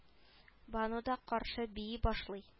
Бану да каршы бии башлый